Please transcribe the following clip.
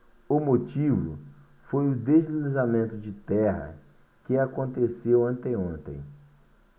o motivo foi o deslizamento de terra que aconteceu anteontem